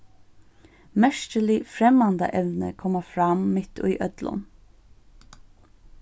merkilig fremmandaevni koma fram mitt í øllum